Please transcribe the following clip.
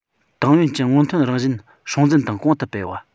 ཏང ཡོན གྱི སྔོན ཐོན རང བཞིན སྲུང འཛིན དང གོང དུ སྤེལ